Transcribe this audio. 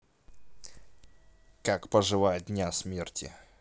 как поживает дня смерти